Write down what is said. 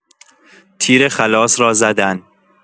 تیر خلاص را زدن